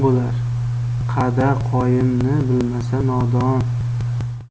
bo'lar qa'da qoyimni bilmasa nodon